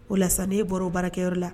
O la sa ne bɔra o baarakɛyɔrɔ la